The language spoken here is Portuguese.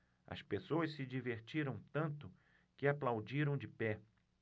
as pessoas se divertiram tanto que aplaudiram de pé